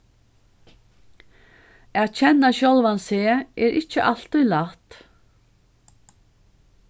at kenna sjálvan seg er ikki altíð lætt